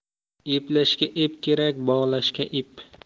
eplashga ep kerak bog'lashga ip